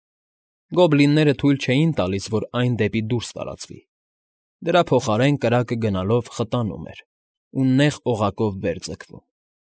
Գոբլինները թույլ չէին տալիս, որ այն դեպի դուրս տարածվի, դրա փոխարեն կրակը գնալով խտանում էր ու նեղ օղակով վեր ձգվում։